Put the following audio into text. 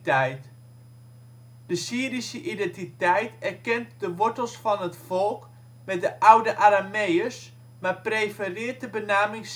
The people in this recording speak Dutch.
De Syrische identiteit erkend de wortels van het volk met de oude Arameeërs, maar prefereert de benaming